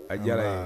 A diyara n ye.